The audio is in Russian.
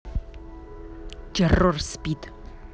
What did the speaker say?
террор спид